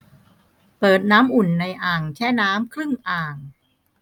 เปิดน้ำอุ่นในอ่างแช่น้ำครึ่งอ่าง